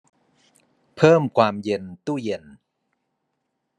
เพิ่มความเย็นตู้เย็น